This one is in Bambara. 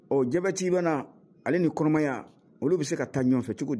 Ɔ jati bɛna ale ni kɔnɔmaya olu bɛ se ka taa ɲɔ cogo di